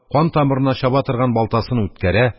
Кан тамырына чаба торган балтасыны үткәрә,